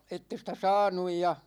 että ei sitä saanut ja